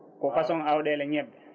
ko façon awɗele ñebbe